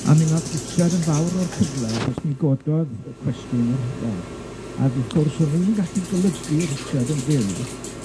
A mi wnath Richard yn fawr o'r cyfle, achos mi gododd y cwestiwn y rhyfel ag wrth gwrs o'dd nw ddim yn gallu golygu Richard yn fyw